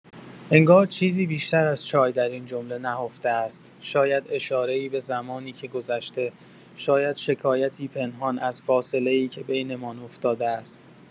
انگار چیزی بیشتر از چای در این جمله نهفته است، شاید اشاره‌ای به زمانی که گذشته، شاید شکایتی پنهان از فاصله‌ای که بینمان افتاده است.